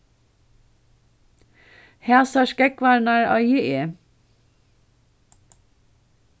hasar skógvarnar eigi eg